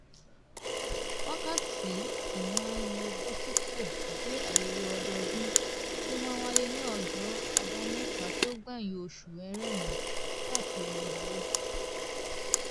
Wákàtí Ìmáyébọ̀sípò jẹ́ ayẹyẹ ọdọọdún tí ó máa ń wáyé ní ọjọ́ Àbámẹ́ta tí ó gbẹ̀yìn oṣù Ẹrẹ́nà, káàkiri àgbáyé.